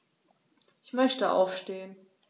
Ich möchte aufstehen.